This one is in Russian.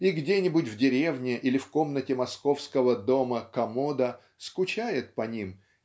и где-нибудь в деревне или в комнате московского дома-комода скучает по ним